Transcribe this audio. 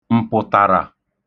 mpụ̀tàrà